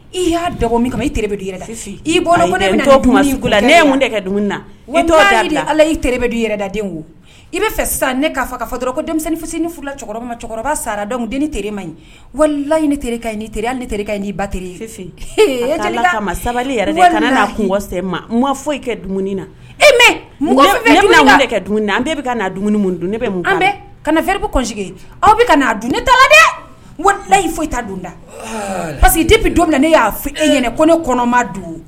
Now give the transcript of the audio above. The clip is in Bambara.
I y'a dɔgɔn min kama e di yɛrɛ i bɔra nela ne na ala terikɛbe d i yɛrɛda den i bɛ fɛ sisan ne'a k'a fɔ dɔrɔn ko denmisɛnninsenla sara dɔn den teri ma wali layi terikɛ teri terikɛ' ba teri ela sabali yɛrɛ kana' kun sɛ ma n ma foyi i kɛ dum na e an' dumuni dun ne bɛ an kana fɛrɛ aw bɛ ka' dun ne dɛ walima layi foyi i ta dunda pa que di bɛ don min na ne y'a i ko ne kɔnɔma dugu